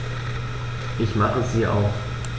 Ich mache sie aus.